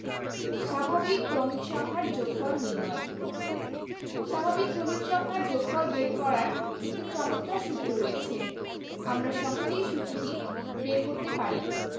স্বাভাবিক ক্রমিক সংখ্যার যোগফল নির্ণয় স্বাভাবিক ক্রমিক সংখ্যার যোগফল বের করার একটি চমৎকার সূত্র রয়েছে আমরা সহজেই সুত্রটি বের করতে পারি